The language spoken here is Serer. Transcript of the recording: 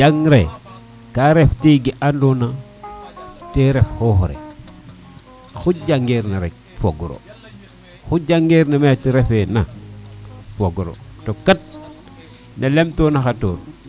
jangre ka ref ke andona te ref xoox le xu jangeer na rek fogiro xu janger na me toloxeer na fogiro to kat ne lem tona xatoor